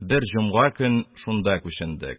Бер җомга көн шунда күчендек.